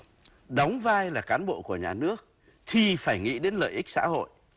đóng vai là cán bộ của nhà nước thì phải nghĩ đến lợi ích xã hội